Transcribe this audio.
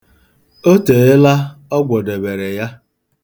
O teela ọ gwọdebere ya.